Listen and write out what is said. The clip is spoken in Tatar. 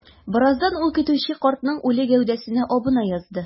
Бераздан ул көтүче картның үле гәүдәсенә абына язды.